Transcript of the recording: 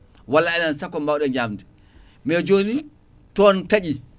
walla ala sakko ko mbawɗen ñamde mais joni toon taaƴi